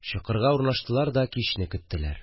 Чокырга урнаштылар да, кичне көттеләр